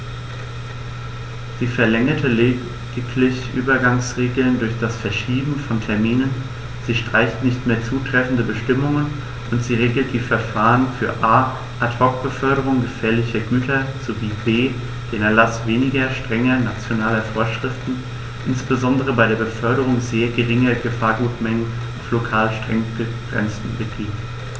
Sie verlängert lediglich Übergangsregeln durch das Verschieben von Terminen, sie streicht nicht mehr zutreffende Bestimmungen, und sie regelt die Verfahren für a) Ad hoc-Beförderungen gefährlicher Güter sowie b) den Erlaß weniger strenger nationaler Vorschriften, insbesondere bei der Beförderung sehr geringer Gefahrgutmengen auf lokal streng begrenzten Gebieten.